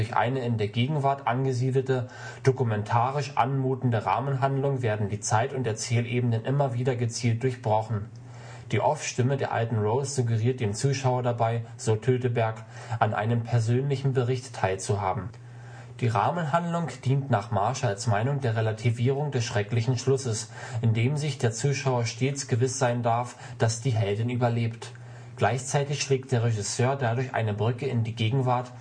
eine in der Gegenwart angesiedelte, dokumentarisch anmutende Rahmenhandlung werden die Zeit - und Erzählebenen immer wieder gezielt durchbrochen. Die Off-Stimme der alten Rose suggeriert dem Zuschauer dabei, so Töteberg, „ an einem persönlichen Bericht teilzuhaben “. Die Rahmenhandlung dient nach Marschalls Meinung „ der Relativierung des schrecklichen Schlusses “, indem sich der Zuschauer stets gewiss sein darf, dass die Heldin überlebt. Gleichzeitig schlägt der Regisseur dadurch eine Brücke in die Gegenwart